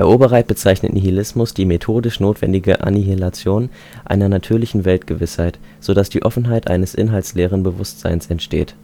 Obereit bezeichnet Nihilismus die methodisch notwendige Annihilation einer natürlichen Weltgewissheit, so dass die Offenheit eines inhaltsleeren Bewusstseins entsteht